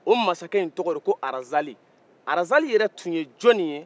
o masakɛ in tɔgɔ de ye ko razali razali yɛrɛ tun ye jɔn ye